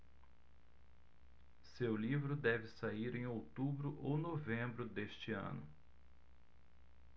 seu livro deve sair em outubro ou novembro deste ano